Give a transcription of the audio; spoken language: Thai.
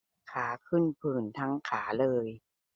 ขาขึ้นผื่นทั้งขาเลย